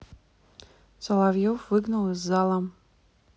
соловьев выгнал из зала